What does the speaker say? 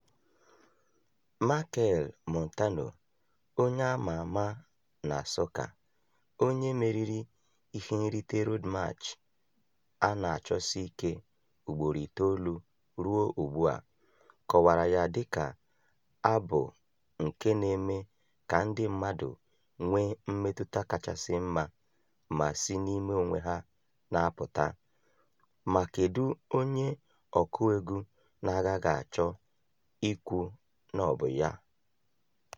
Machel Montano, onye a ma ama na sọka, onye meriri ihe nrite Road March a na-achọsi ike ugboro itoolu ruo ugbu a, kọwara ya dị ka "abụ nke na-eme ka ndị mmadụ nwee mmetụta kachasị mma ma si n'ime onwe ha na-apụta"— ma kedu onye ọkụ egwu na-agaghị achọ ikwu na ọ bụ ya?